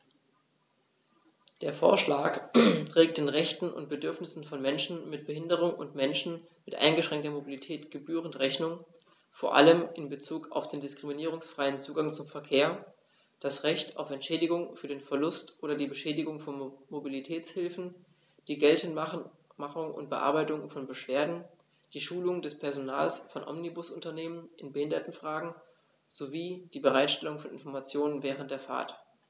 Der Vorschlag trägt den Rechten und Bedürfnissen von Menschen mit Behinderung und Menschen mit eingeschränkter Mobilität gebührend Rechnung, vor allem in Bezug auf den diskriminierungsfreien Zugang zum Verkehr, das Recht auf Entschädigung für den Verlust oder die Beschädigung von Mobilitätshilfen, die Geltendmachung und Bearbeitung von Beschwerden, die Schulung des Personals von Omnibusunternehmen in Behindertenfragen sowie die Bereitstellung von Informationen während der Fahrt.